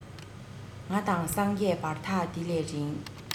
ང དང སངས རྒྱས བར ཐག དེ ལས རིང